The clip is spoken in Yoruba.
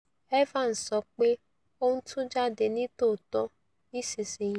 Evans: ''sọ pé, ó ńtú jáde nítòótọ́ nísinsìnyí!''